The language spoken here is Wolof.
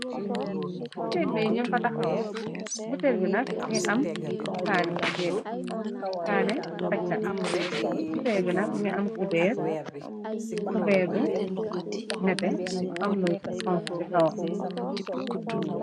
Buterbi nën pataxawa buterginab ngi am faane ci biiran kaane pacchar butergina ngi am kubeer bu nefe mu am los fonfa ci kawam.